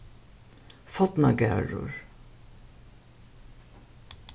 fornagarður